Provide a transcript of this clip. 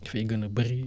dafay gën a bari